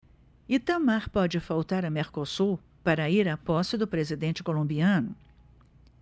itamar pode faltar a mercosul para ir à posse do presidente colombiano